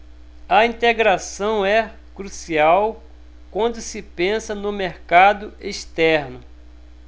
a integração é crucial quando se pensa no mercado externo